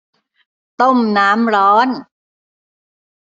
ต้มน้ำร้อน